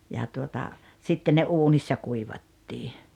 ja tuota sitten ne uunissa kuivattiin